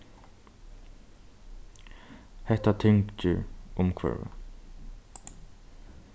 hetta tyngir umhvørvið